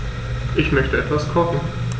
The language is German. Ich möchte etwas kochen.